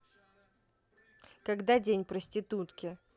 когда день проститутки